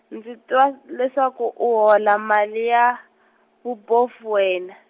ndzi twa leswaku u hola mali ya, vubofu wena.